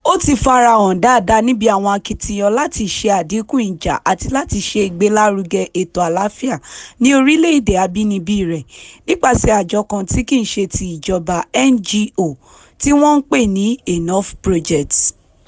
Ó ti fara hàn dáadáa níbi àwọn akitiyan láti ṣe àdínkù ìjà àti láti ṣe ìgbélárugẹ ètò àlàáfíà ní orílẹ̀-èdè abínibí rẹ̀ nípasẹ̀ Àjọ kan tí kìí se ti ìjọba (NGO) tí wọn ń pè ní Enough Project.